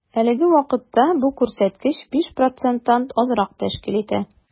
Әлеге вакытта бу күрсәткеч 5 проценттан азрак тәшкил итә.